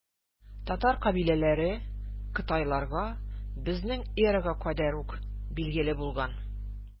Татар кабиләләре кытайларга безнең эрага кадәр үк билгеле булган.